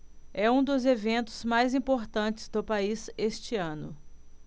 é um dos eventos mais importantes do país este ano